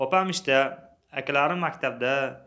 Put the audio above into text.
opam ishda akalarim maktabda